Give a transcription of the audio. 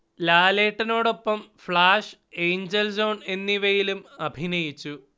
ലാലേട്ടനോടൊപ്പം Flash, Angel John എന്നിവയിലും അഭിനയിച്ചു